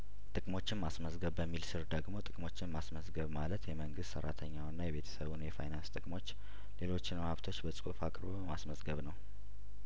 ጥቅሞችን ማስመዝገብ በሚል ስር ደግሞ ጥቅሞችን ማስመዝገብ ማለት የመንግስት ሰራተኛውንና የቤተሰቡን የፋይናንስ ጥቅሞችን ሌሎች ሀብቶችን በጽሁፍ አቅርቦ ማስመዝገብ ነው